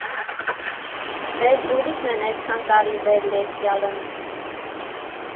Էս ժուլիկնեն էսքան տարի վեր լեփյալըն։